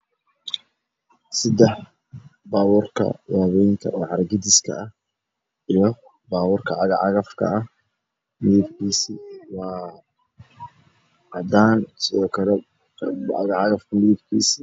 Sedax baabuurka wa weynka cara gadiska ah iyo baaburka cagcagfka ah midibkiisu waa cadaan sido kle cagacagfka midbkiisa